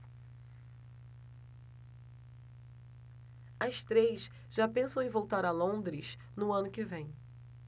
as três já pensam em voltar a londres no ano que vem